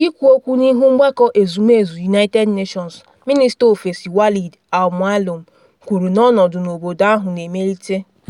Ikwu okwu n’ihu Mgbakọ Ezumezu United Nations, minista Ofesi Walid al-Moualem kwuru na ọnọdụ n’obodo ahụ na emelite.